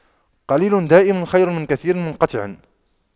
قليل دائم خير من كثير منقطع